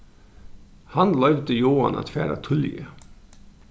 hann loyvdi joan at fara tíðliga